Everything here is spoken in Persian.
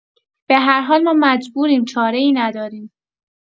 به هر حال ما مجبوریم چاره‌ای نداریم.